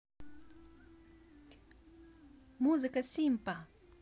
музыка симпа